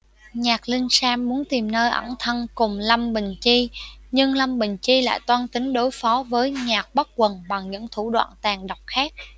nhạc linh san muốn tìm nơi ẩn thân cùng lâm bình chi nhưng lâm bình chi lại toan tính đối phó với nhạc bất quần bằng những thủ đoạn tàn độc khác